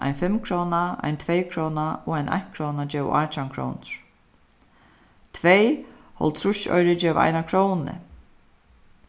ein fimmkróna ein tveykróna og ein einkróna geva átjan krónur tvey hálvtrýssoyrur geva eina krónu